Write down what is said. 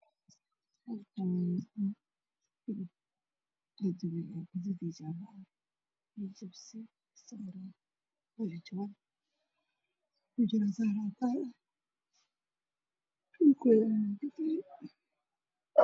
Waa miis waxaa saaran saxamiin caddaan waxaa ku jira hili dooro oo midabkiisu yahay jaalo